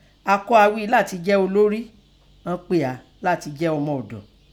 A kọ́ a ghí i lati jẹ́ olori, a pe á latin jẹ́ omo odo.